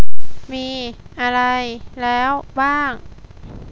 มีอะไรแล้วบ้าง